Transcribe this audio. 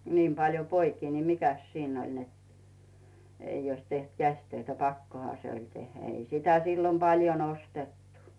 niin paljon poikia niin mikäs siinä oli että ei olisi tehty käsitöitä pakkohan se oli tehdä ei sitä silloin paljon ostettu